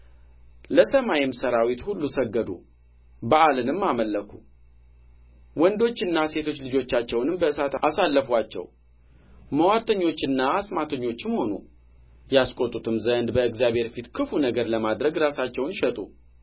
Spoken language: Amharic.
ለሰማይም ሠራዊት ሁሉ ሰገዱ በኣልንም አመለኩ ወንዶችና ሴቶች ልጆቻቸውን በእሳት አሳለፉአቸው ምዋርተኞችና አስማተኞችም ሆኑ ያስቈጡትም ዘንድ በእግዚአብሔር ፊት ክፉ ነገር ለማድረግ ራሳቸውን ሸጡ